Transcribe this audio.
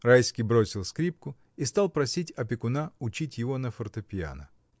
Райский бросил скрипку и стал просить опекуна учить его на фортепиано.